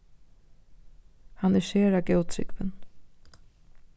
hann er sera góðtrúgvin